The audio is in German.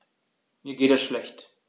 Mir geht es schlecht.